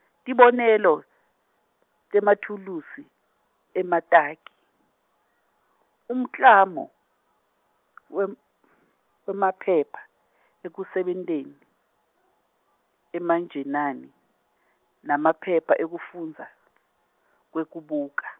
tibonelo temathuluzi emataki, umklamo wem- wemaphepha ekusebentela emajenali nemaphepha ekufundza ngekubuka.